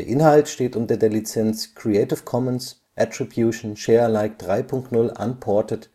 Inhalt steht unter der Lizenz Creative Commons Attribution Share Alike 3 Punkt 0 Unported